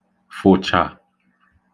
fụ̀(chà)